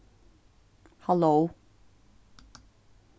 halló